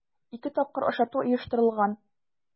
Ике тапкыр ашату оештырылган.